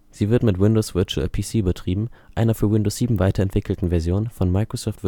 Sie wird mit Windows Virtual PC betrieben, einer für Windows 7 weiterentwickelten Version von Microsoft